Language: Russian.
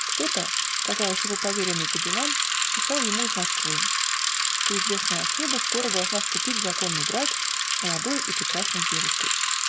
Кто-то (казалось, его поверенный по делам) писал ему из Москвы, что известная особа скоро должна вступить в законный брак с молодой и прекрасной девушкой.